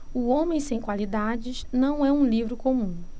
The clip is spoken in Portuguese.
o homem sem qualidades não é um livro comum